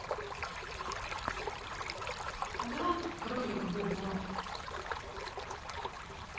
да кролик бобо